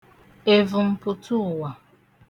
èvùmpùtụụ̀wà